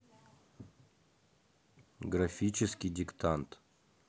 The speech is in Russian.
графический диктант